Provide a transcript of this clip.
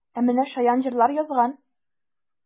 Ә менә шаян җырлар язган!